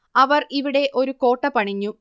അവർ ഇവിടെ ഒരു കോട്ട പണിഞ്ഞു